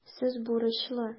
Сез бурычлы.